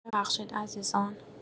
ببخشید عزیزان